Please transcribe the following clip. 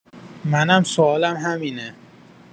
منم سوالم همینه